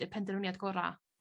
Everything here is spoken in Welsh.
y penderfyniad gora'